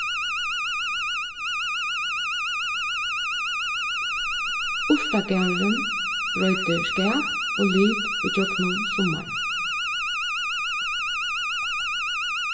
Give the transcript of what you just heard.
urtagarðurin broytir skap og lit ígjøgnum summarið